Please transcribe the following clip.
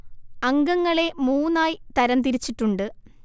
അംഗങ്ങളെ മൂന്നായി തരംതിരിച്ചിട്ടുണ്ട്